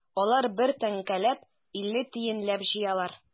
Алар бер тәңкәләп, илле тиенләп җыялар.